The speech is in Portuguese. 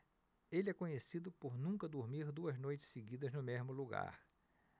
ele é conhecido por nunca dormir duas noites seguidas no mesmo lugar